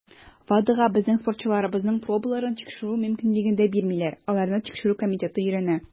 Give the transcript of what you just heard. WADAга безнең спортчыларыбызның пробаларын тикшерү мөмкинлеген дә бирмиләр - аларны Тикшерү комитеты өйрәнә.